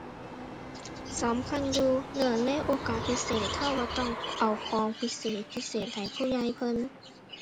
สำคัญอยู่ เนื่องในโอกาสพิเศษ เราเราต้องเอาของพิเศษพิเศษให้ผู้ใหญ่เพิ่น